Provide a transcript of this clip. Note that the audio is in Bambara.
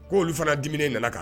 Ko' oluolu fana dumini nana kan